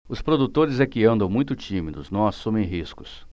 os produtores é que andam muito tímidos não assumem riscos